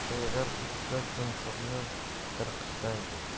qiyg'ir uchsa chumchuqni tirqishda ko'r